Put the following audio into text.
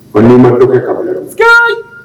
Fo n'i ma dɔ kɛ ka bila skeeyi